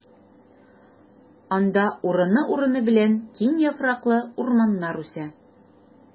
Анда урыны-урыны белән киң яфраклы урманнар үсә.